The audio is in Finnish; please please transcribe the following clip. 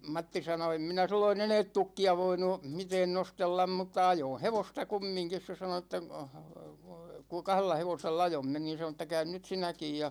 Matti sanoi en minä silloin enää tukkia voinut mitään nostella mutta ajoin hevosta kumminkin se sanoi että kun kahdella hevosella ajoimme niin sanoi että käy nyt sinäkin ja